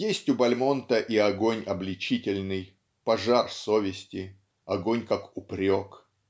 Есть у Бальмонта и огонь обличительный пожар совести огонь как упрек.